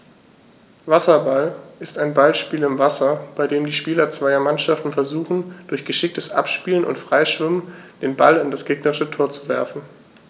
Wasserball ist ein Ballspiel im Wasser, bei dem die Spieler zweier Mannschaften versuchen, durch geschicktes Abspielen und Freischwimmen den Ball in das gegnerische Tor zu werfen.